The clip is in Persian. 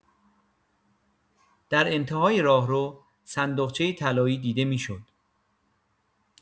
در انت‌های راهرو، صندوقچه‌ای طلایی دیده می‌شد.